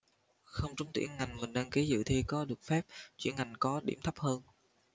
không trúng tuyển ngành mình đăng ký dự thi có được phép chuyển ngành có điểm thấp hơn